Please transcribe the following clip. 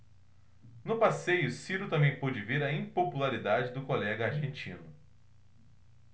no passeio ciro também pôde ver a impopularidade do colega argentino